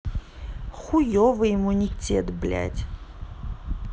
хуевый иммунитет блядь